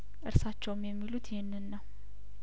እርሳቸውም የሚሉት ይህንን ነው